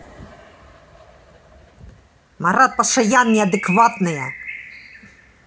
марат пашаян неадекватная